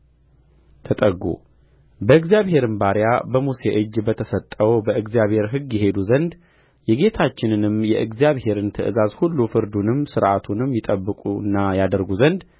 ተጠጉ በእግዚአብሔርም ባሪያ በሙሴ እጅ በተሰጠው በእግዚአብሔር ሕግ ይሄዱ ዘንድ የጌታችንንም የእግዚአብሔርን ትእዛዝ ሁሉ ፍርዱንም ሥርዓቱንም ይጠብቁና ያደርጉ ዘንድ